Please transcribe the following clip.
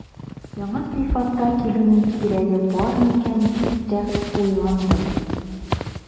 Яңа сыйфатта килүнең кирәге бар микән дип тә уйландым.